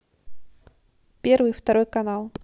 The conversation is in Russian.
первый второй канал